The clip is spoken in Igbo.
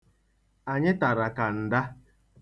Anyị tara kanda.